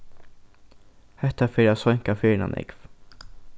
hetta fer at seinka ferðina nógv